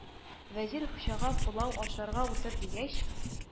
Вәзир Хуҗага, пылау ашарга утыр, дигәч,